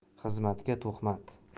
xizmatga tuhmat